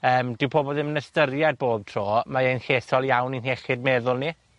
ym, dyw pobol ddim yn ystyried bob tro, mae e'n llesol iawn i'n h iechyd meddwl ni.